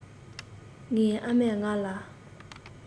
ངའི ཨ མས ང ལ